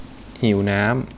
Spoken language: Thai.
หิวน้ำ